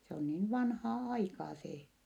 se on niin vanhaa aikaa se